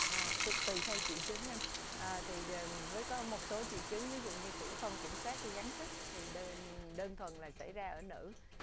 à tự tùy theo triệu chứng anh à thì đều với có một số triệu chứng ví dụ như tiểu không kiểm soát khi gắng sức thì đơn đơn thuần là xảy ra ở nữ